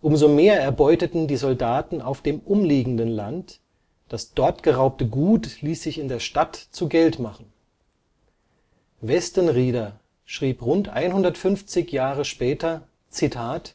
Umso mehr erbeuteten die Soldaten auf dem umliegenden Land, das dort geraubte Gut ließ sich in der Stadt zu Geld machen. Westenrieder schrieb rund 150 Jahre später: